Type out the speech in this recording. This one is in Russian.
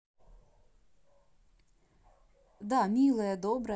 да милая и добрая